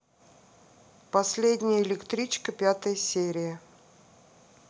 последняя электричка пятая серия